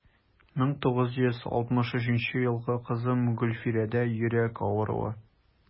1963 елгы кызым гөлфирәдә йөрәк авыруы.